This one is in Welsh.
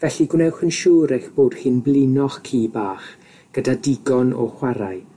Felly gwnewch yn siŵr eich bod hi'n blino'ch ci bach gyda digon o chwarae